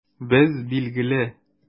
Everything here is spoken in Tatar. Без, билгеле!